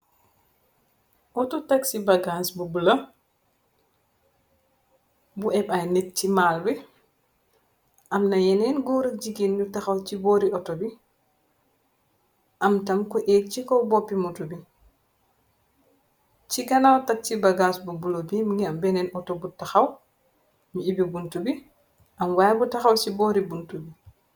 Auto taxi bagass bu bulo bu emb ay nit ci maal bi amna yeneen góor ak jigeen yu taxaw ci boori auto bi am tam ko éég ci kow boppi moto bi ci ganaw taxsi ci bagass bu bulo bi mogi am beneen auto bu taxaw mu ibbi buntu bi am waay bu taxaw ci boori bunti bi.